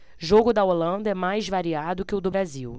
jogo da holanda é mais variado que o do brasil